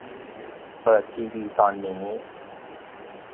เปิดทีวีตอนนี้